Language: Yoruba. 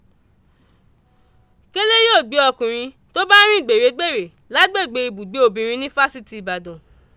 Kélé yóò gbé ọkùnrin tó bá ń rin gbèrégbèré lágbègbè ibùgbé obìnrin ní fásitì Ìbàdàn.